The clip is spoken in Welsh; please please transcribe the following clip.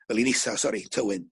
Felin Isa sori Tywyn.